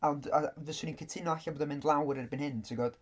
Ond yy fyswn i'n cytuno ella bod o'n mynd lawr erbyn hyn ti'n gwybod.